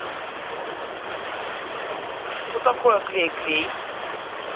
что такое клейклей